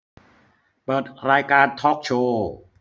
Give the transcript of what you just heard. เปิดรายการทอล์คโชว์